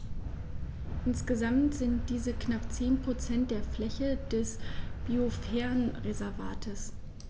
Insgesamt sind dies knapp 10 % der Fläche des Biosphärenreservates.